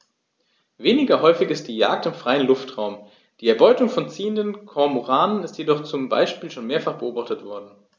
Weniger häufig ist die Jagd im freien Luftraum; die Erbeutung von ziehenden Kormoranen ist jedoch zum Beispiel schon mehrfach beobachtet worden.